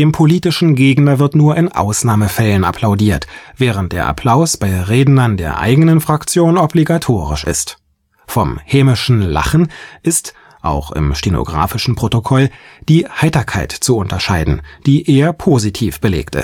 politischen Gegner wird nur in Ausnahmefällen applaudiert, während der Applaus bei Rednern der eigenen Fraktion obligatorisch ist. Vom hämischen „ Lachen “ist – auch im stenografischen Protokoll – die „ Heiterkeit “zu unterscheiden, die eher positiv belegt